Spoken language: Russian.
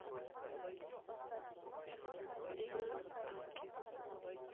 игры танки